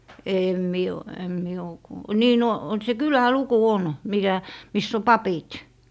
en minä ole en minä ole - niin no se kyläluku on mikä missä on papit